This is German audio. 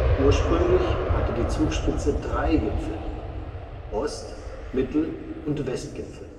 Ursprünglich hatte die Zugspitze drei Gipfel: Ost -, Mittel - und Westgipfel